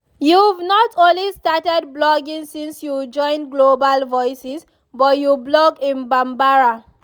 Q: You've not only started blogging since you joined Global Voices, but you blog in Bambara!